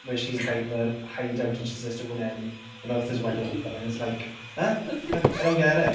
Where she's by the hideout and she says and her mouth is wide open and it's like eh? I don't get it.